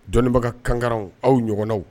Dɔnniibaga kangaraw aw ɲɔgɔnw